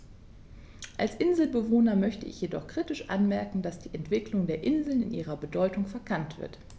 Als Inselbewohner möchte ich jedoch kritisch anmerken, dass die Entwicklung der Inseln in ihrer Bedeutung verkannt wird.